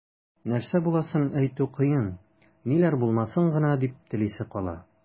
Нәрсә буласын әйтү кыен, ниләр булмасын гына дип телисе кала.